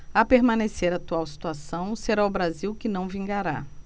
a permanecer a atual situação será o brasil que não vingará